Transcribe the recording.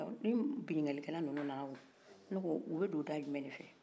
nin bingalikɛla nunu nanaw u bɛ don da jumɛ de fɛ